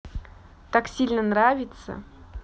так сильно нравится